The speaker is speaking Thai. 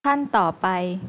ขั้นต่อไป